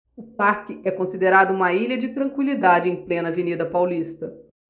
o parque é considerado uma ilha de tranquilidade em plena avenida paulista